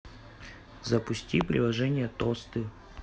запусти приложение тосты